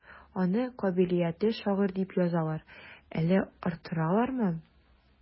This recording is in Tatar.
Аны кабилиятле шагыйрь дип язалар, әллә арттыралармы?